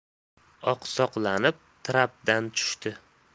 oqsoqlanib trapdan tushdi